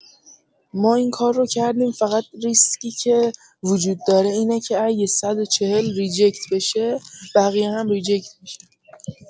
ما این کار رو کردیم فقط ریسکی که وجود داره اینه که اگه ۱۴۰ ریجکت بشه بقیه هم ریجکت می‌شه.